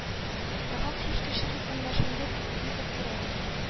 Нахак сүз кеше зиһененә шундук үтеп керә икән,